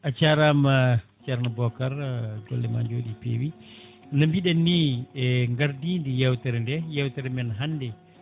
a jarama ceerno Bocar golle ma joɗi peewi no mbiɗen ni e gardidi yewtere nde yewtere men hande